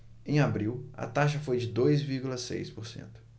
em abril a taxa foi de dois vírgula seis por cento